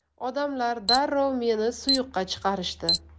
odamlar darrov meni suyuqqa chiqarishdi